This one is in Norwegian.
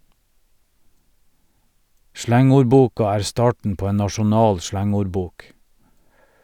Slangordboka er starten på en nasjonal slangordbok.